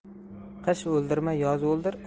qish o'ldirma yoz o'ldir